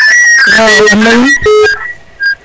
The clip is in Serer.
waaw an leyun